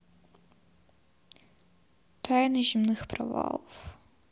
тайны земных провалов